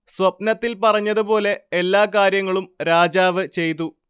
സ്വപ്നത്തിൽ പറഞ്ഞതുപോലെ എല്ലാ കാര്യങ്ങളും രാജാവ് ചെയ്തു